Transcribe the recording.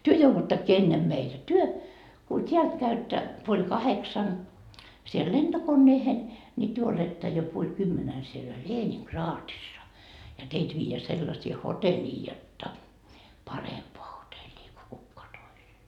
te jouduttekin ennen meitä kun te kun täältä käytte puoli kahdeksan siellä lentokoneeseen niin te olette jo puoli kymmenen siellä Leningradissa ja teitä viedään sellaisiin hotelleihin jotta parempaan hotelliin kuin ketkään toiset